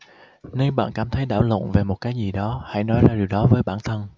nếu bạn cảm thấy đảo lộn về một cái gì đó hãy nói ra điều đó với bản thân